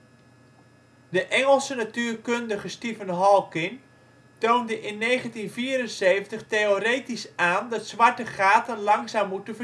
Engelse natuurkundige Stephen Hawking toonde in 1974 theoretisch aan dat zwarte gaten langzaam moeten